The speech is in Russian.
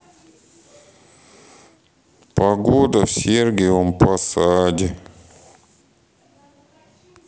погода в сергиевом посаде